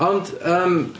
Ond, yym...